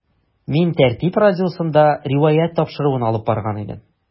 “мин “тәртип” радиосында “риваять” тапшыруын алып барган идем.